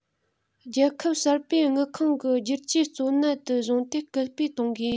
རྒྱལ ཁབ གསར སྤེལ དངུལ ཁང གི བསྒྱུར བཅོས གཙོ གནད དུ བཟུང སྟེ སྐུལ སྤེལ གཏོང དགོས